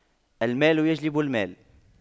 المال يجلب المال